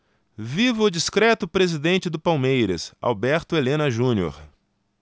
viva o discreto presidente do palmeiras alberto helena junior